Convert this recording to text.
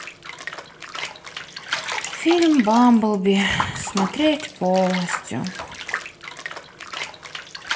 фильм бамблби смотреть полностью